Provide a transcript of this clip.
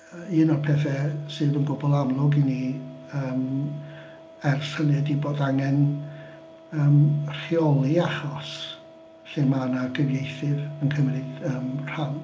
Yy un o'r pethau sydd yn gwbl amlwg i ni yym ers hynny ydy bod angen yym rheoli achos lle mae 'na gyfieithydd yn cymryd yym rhan.